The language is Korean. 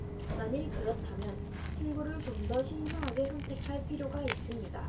만일 그렇다면 친구를 좀 더 신중하게 선택할 필요가 있습니다